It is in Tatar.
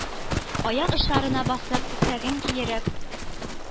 Аяк очларына басып, күкрәген киереп,